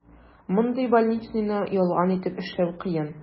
Мондый больничныйны ялган итеп эшләү кыен.